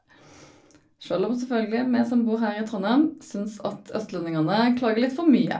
Sjøl om selvfølgelig vi som bor her i Trondheim syns at østlendingene klager litt for mye.